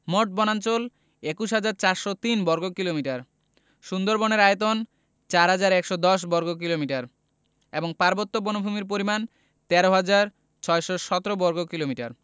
মোট বনাঞ্চল ২১হাজার ৪০৩ বর্গ কিলোমিটার সুন্দরবনের আয়তন ৪হাজার ১১০ বর্গ কিলোমিটার এবং পার্বত্য বনভূমির পরিমাণ ১৩হাজার ৬১৭ বর্গ কিলোমিটার